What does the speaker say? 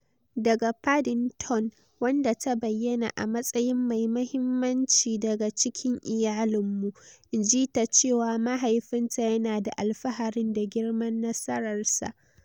Daga Paddington, wadda ta bayyana a matsayin "mai mahimmanci daga cikin iyalinmu," in ji ta cewa mahaifinta yana da alfaharin da girman nasararsa.